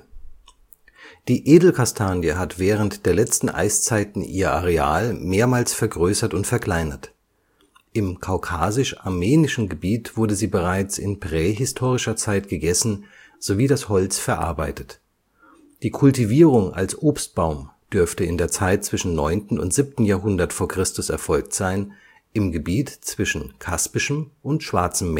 Die Edelkastanie hat während der letzten Eiszeiten ihr Areal mehrmals vergrößert und verkleinert. Im kaukasisch-armenischen Gebiet wurde sie bereits in prähistorischer Zeit gegessen sowie das Holz verarbeitet. Die Kultivierung als Obstbaum dürfte in der Zeit zwischen 9. und 7. Jahrhundert v. Chr. erfolgt sein im Gebiet zwischen Kaspischem und Schwarzem